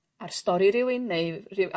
...ar stori rywun neu ryw...